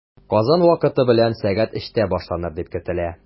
Казан вакыты белән сәгать өчтә башланыр дип көтелә.